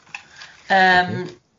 Yym.